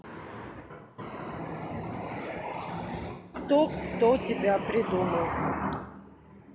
кто кто тебя придумал